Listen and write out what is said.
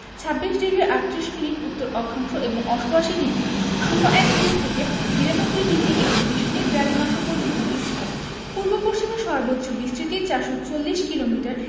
২৬ degree ৩৮ minute উত্তর অক্ষাংশ এবং ৮৮ ডিগ্রি ০১ মিনিট থেকে ৯২ ডিগ্রি ৪১মিনিট দ্রাঘিমাংশ পর্যন্ত বিস্তৃত পূর্ব পশ্চিমে সর্বোচ্চ বিস্তৃতি ৪৪০ কিলোমিটার